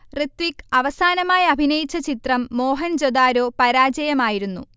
ഋത്വിക്ക് അവസാനമായി അഭിനയിച്ച ചിത്രം മോഹൻ ജൊദാരോ പരാജയമായിരുന്നു